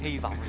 hy vọng